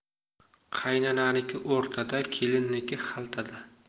qaynananiki o'rtada kelinniki xaltada